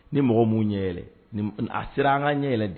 Ni mɔgɔw m'u ɲɛ yɛlɛ ni m a sera an ŋ'an ɲɛ yɛlɛ de